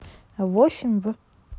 восемь в